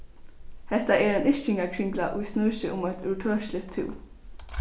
hetta er ein yrkingakringla ið snýr seg um eitt úrtøkiligt tú